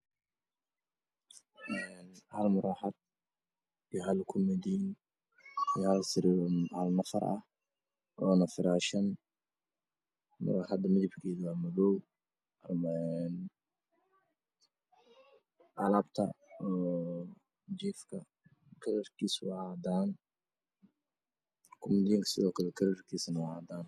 Een Hal muraa xad Hal kuma diin iyo Hal sariir oo nafar ah